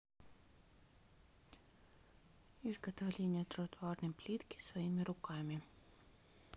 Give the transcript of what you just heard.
изготовление тротуарной плитки своими руками